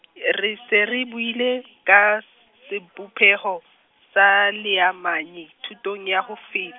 re se re buile ka, s- sebopeho, sa leamanyi, thutong ya ho fe.